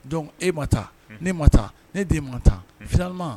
Dɔnc e ma taa ne ma taa ne den man tan vma